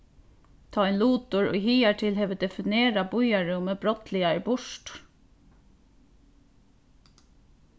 tá ein lutur ið higartil hevur definerað býarrúmið brádliga er burtur